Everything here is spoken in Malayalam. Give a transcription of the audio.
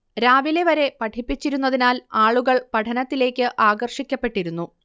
രാവിലെ വരെ പഠിപ്പിച്ചിരുന്നതിനാൽ ആളുകൾ പഠനത്തിലേക്ക് ആകർഷിക്കപ്പെട്ടിരുന്നു